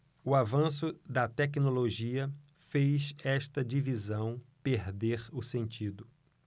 o avanço da tecnologia fez esta divisão perder o sentido